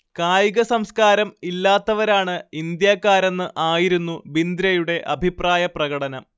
കായികസംസ്കാരം ഇല്ലാത്തവരാണ് ഇന്ത്യക്കാരെന്ന് ആയിരുന്നു ബിന്ദ്രയുടെ അഭിപ്രായ പ്രകടനം